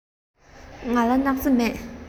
ང ལ སྣག ཚ མེད